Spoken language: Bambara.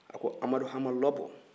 a ko ''amadu hama lɔbɔ ''